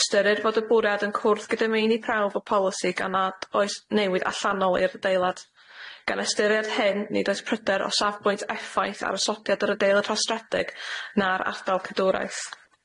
Ystyrir fod y bwriad yn cwrdd gyda meini prawf y polisi gan ad- oes newid allanol i'r adeilad. Gan ystyried hyn, nid oes pryder o safbwynt effaith ar osodiad yr adeilad rhostredig na'r ardal cadwraeth.